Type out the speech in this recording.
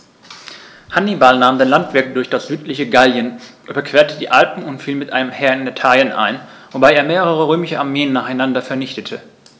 Hannibal nahm den Landweg durch das südliche Gallien, überquerte die Alpen und fiel mit einem Heer in Italien ein, wobei er mehrere römische Armeen nacheinander vernichtete.